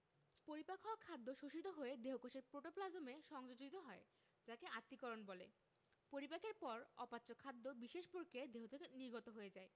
পরিপাক হওয়া খাদ্য শোষিত হয়ে দেহকোষের প্রোটোপ্লাজমে সংযোজিত হয় যাকে আত্তীকরণ বলে পরিপাকের পর অপাচ্য খাদ্য বিশেষ প্রক্রিয়ায় দেহ থেকে নির্গত হয়ে যায়